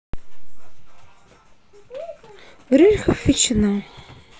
грильков ветчина